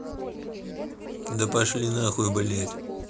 да пошли нахуй блядь